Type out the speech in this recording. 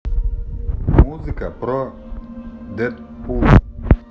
музыка про дедпула